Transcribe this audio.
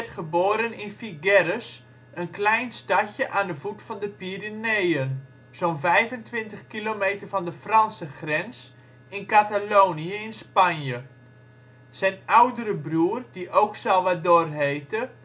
geboren in Figueres, een klein stadje aan de voet van de Pyreneeën, zo’ n 25 kilometer van de Franse grens, in Catalonië, Spanje. Zijn oudere broer, die ook Salvador heette